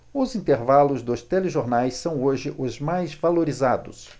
os intervalos dos telejornais são hoje os mais valorizados